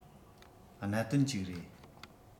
གནད དོན ཅིག རེད